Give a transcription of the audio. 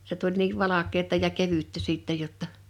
se tuli niin valkeata ja kevyttä sitten jotta